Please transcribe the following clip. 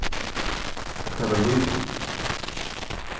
at tað var lív í